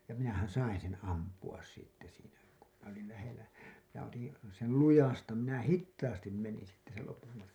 ja minähän sain sen ampua sitten siinä kun minä olin lähellä ja otin sen lujasta minä hitaasti menin sitten sen lopun matkan